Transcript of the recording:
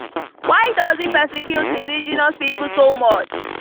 Why does he persecute indigenous people so much?